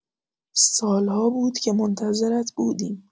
سال‌ها بود که منتظرت بودیم.